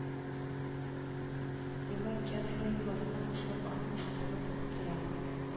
Елга Кедва елгасына кушылып, аның кушылдыгы булып тора